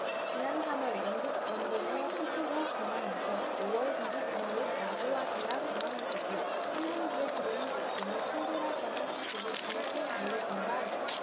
지난 삼 월 영국 런던의 히드로공항에서 오 월 미국 뉴욕 라구아디아공항에서도 항공기에 드론이 접근해 충돌할 뻔한 사실이 뒤늦게 알려진 바 있다